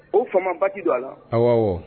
O fama bati don a la ɔwɔ